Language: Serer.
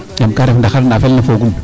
yaam kaa ref ndaxar naa felna foogum